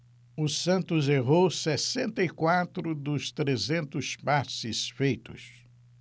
o santos errou sessenta e quatro dos trezentos passes feitos